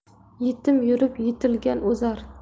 yetim yurib yetilgan o'zar